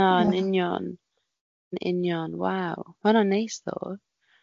Na yn union, yn union waw ma' hwnna'n neis ddo.